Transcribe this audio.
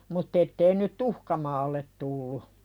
mutta että ei nyt tuhka maalle tullut